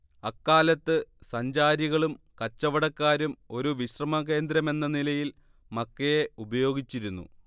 അക്കാലത്ത് സഞ്ചാരികളും കച്ചവടക്കാരും ഒരു വിശ്രമ കേന്ദ്രമെന്ന നിലയിൽ മക്കയെ ഉപയോഗിച്ചിരുന്നു